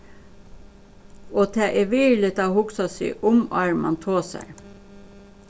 og tað er virðiligt at hugsa seg um áðrenn mann tosar